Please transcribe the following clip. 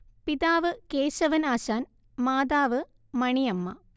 പിതാവ് കേശവൻ ആശാൻ മാതാവ് മണി അമ്മ